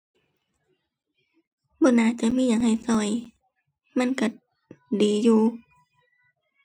บ่น่าจะมีหยังให้ช่วย มันช่วยดีอยู่